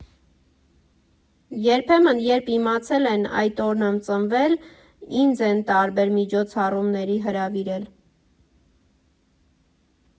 Երբեմն, երբ իմացել են՝ այդ օրն եմ ծնվել, ինձ են տարբեր միջոցառումների հրավիրել։